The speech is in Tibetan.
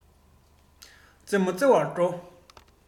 རྩེད མོ རྩེ བར འགྲོ